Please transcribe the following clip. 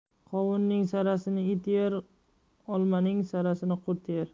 qovunning sarasini it yer olmaning sarasini qurt